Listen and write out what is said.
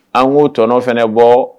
An k'o tɔnɔ fana bɔ